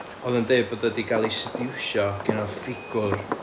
O'dd o'n deud bod o 'di ca'l ei sediwsio genna ffigwr